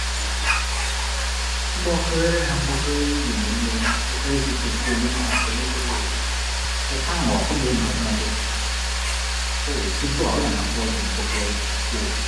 บ่เคยเลยนะครับ บ่เคยยืมเงินเลย บ่เคยคิดจะกู้เงินเลยครับ ก็เลยบ่รู้ แต่ทางออกคนอื่นบ่ครับ ก็น่าจะ โอ้ คิดบ่ออกคือกันครับ เพราะว่าผมบ่เคยกู้